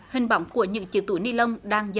hình bóng của những chiếc túi nilon đang